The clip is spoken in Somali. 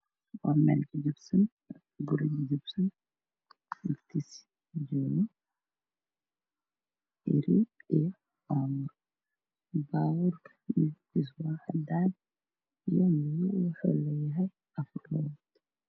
Waxaa ii muuqda gaari cadaan waxaa ka dambeeya guri dudusan oo dabaq ah midabka waa caddaan